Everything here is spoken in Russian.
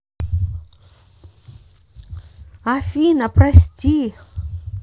афина прости